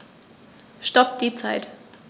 Stopp die Zeit